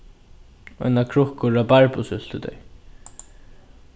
eina krukku rabarbusúltutoy